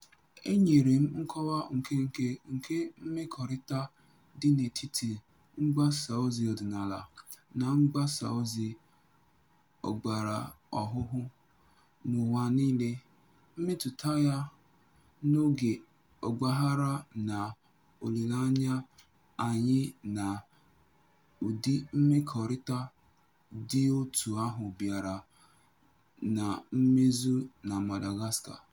E nyere m nkọwa nkenke nke mmekọrịta dị n'etiti mgbasaozi ọdịnala na mgbasaozi ọgbaraọhụrụ n'ụwa niile, mmetụta ya n'oge ọgbaghara na olileanya anyị na ụdị mmekọrịta dị otú ahụ bịara na mmezu na Madagascar.